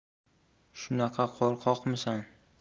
shunaqa qo'rqoqmisan